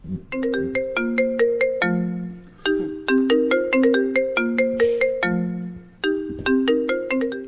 Maa